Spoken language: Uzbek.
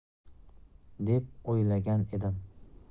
deb o'ylagan edim men